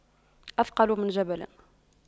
أثقل من جبل